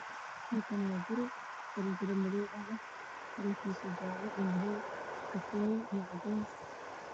Halkaan waa guri jaranjaro madow leh midabkiisu waa jaale, kafay iyo cadeys.